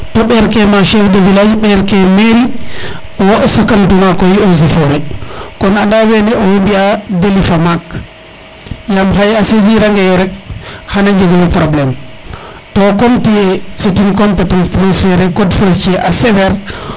to ɓeer ke ma chef de village ɓer ke mairie wo sakamtuma koy eaux et foret kon anda wene owey mbiya delis fa maak yaam xaye a saisir ange yo rek xana njego yo probleme to comme tiye c' une competence transferet code ferestier a sévére \